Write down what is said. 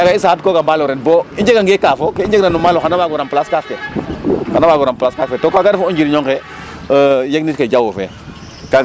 Yaaga i saxadkooga maalo ren bo i njegangee kaaf o ke i njegna no maalo xay a waag o remplacer kaaf ke te kaaga refu o njiriñ onqe yegnit ke jawu fe.